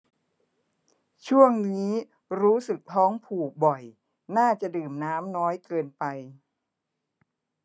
ช่วงนี้รู้สึกท้องผูกบ่อยน่าจะดื่มน้ำน้อยเกินไป